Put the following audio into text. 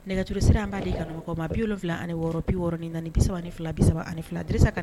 Nɛgɛjuru siran n b'a di kanubaw 76 64 32 32 , Dirisa